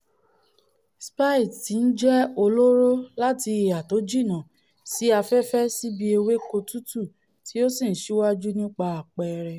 Spieth ti ńjẹ́ olóró láti ìhà tójìnnà sí afẹ́fẹ́ síbi ewéko tútù tí o sì ńsíwájú nípa àpẹẹrẹ.